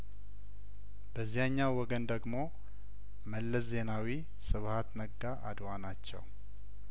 በእዚያኛው ወገን ደግሞ መለስ ዜናዊ ስብሀት ነጋ አድዋ ናቸው